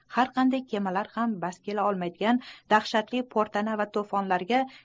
har qanday kemalar ham bas kela olmaydigan dahshatli portana va tofonlarga